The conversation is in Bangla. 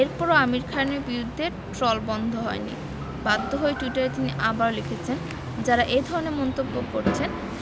এরপরও আমির খানের বিরুদ্ধে ট্রল বন্ধ হয়নি বাধ্য হয়ে টুইটারে তিনি আবার লিখেছেন যাঁরা এ ধরনের মন্তব্য করছেন